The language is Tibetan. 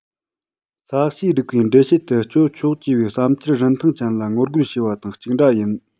ས གཤིས རིགས པའི འགྲེལ བཤད དུ སྤྱོད ཆོག ཅེས པའི བསམ འཆར རིན ཐང ཅན ལ ངོ རྒོལ བྱས པ དང གཅིག འདྲ ཡིན